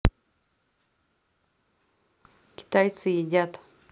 китайцы едят